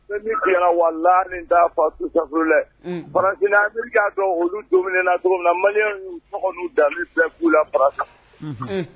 N bi min fi ɲɛna walaye, hall n ta fo asafurulayi. Faransi ni Ameriki ya dɔn olu déminé na cogo min maliens yu tɔgɔ nu danbe bu la Faransi